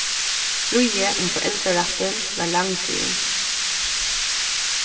stríðið um foreldrarættin var langdrigin